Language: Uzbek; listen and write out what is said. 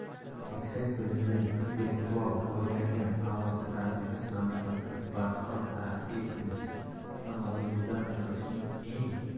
yuksak bilimli va intellektual rivojlangan avlodni tarbiyalash mamlakatni barqaror taraqqiy ettirish va modernizatsiya qilishning eng